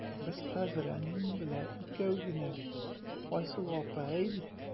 Без хәзер әнием белән икәү генә бит, Айсылу апа, әйе бит?